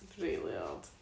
rili od